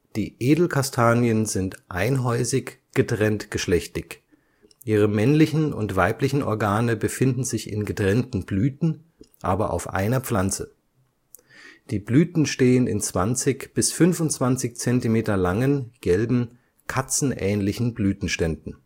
Die Edelkastanien sind einhäusig getrenntgeschlechtig (monözisch), ihre männlichen und weiblichen Organe befinden sich in getrennten Blüten, aber auf einer Pflanze. Die Blüten stehen in 20 bis 25 Zentimeter langen, gelben, kätzchenähnlichen Blütenständen